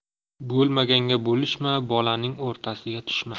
bo'lmaganga bo'lishma bolaning o'rtasiga tushma